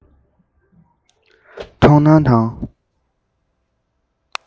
མཐོང སྣང དང